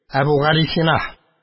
Әбүгалисина